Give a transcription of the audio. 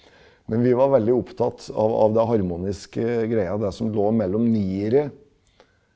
men vi var veldig opptatt av av det harmoniske greia, det som lå mellom niere.